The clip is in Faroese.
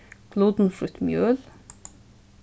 glutenfrítt mjøl